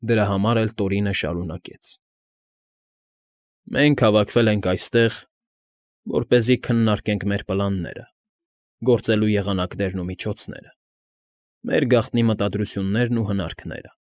Դրա համար էլ Տորինը շարունակեց. ֊ Մենք հավաքվել ենք այստեղ, որպեսզի քննարկենք մեր պլանները, գործելու եղանակներն ու միջոցները, մեր գաղտնի մտադրություններն ու հնարքները։